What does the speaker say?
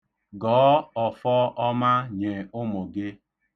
Gọọ ọfọ ọma nye ụmụ gị.